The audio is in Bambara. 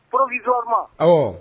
Poropi ma h